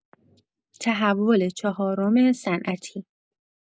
تحول چهارم صنعتی